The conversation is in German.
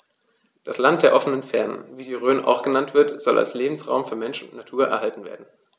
Das „Land der offenen Fernen“, wie die Rhön auch genannt wird, soll als Lebensraum für Mensch und Natur erhalten werden.